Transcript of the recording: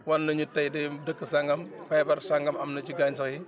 wan ne ñu tey de dëkk sangam feebar sangam am na ci gàncax yi